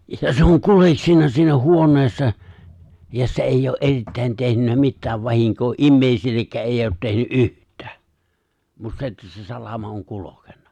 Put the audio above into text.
ja se on kuljeksinut siinä huoneessa ja se ei ole erittäin tehnyt mitään vahinkoa ihmisillekään - ei ole tehnyt yhtään mutta se että se salama on kulkenut